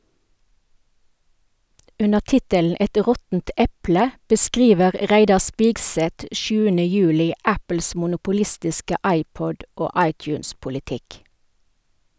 Under tittelen "Et råttent eple" beskriver Reidar Spigseth 7. juli Apples monopolistiske iPod- og iTunes-politikk.